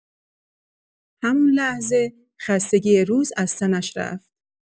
همون لحظه، خستگی روز از تنش رفت.